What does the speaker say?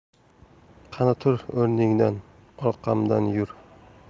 qani tur o'rningdan orqamdan yur